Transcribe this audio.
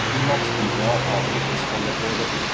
iemand die wel al lid is van de orde of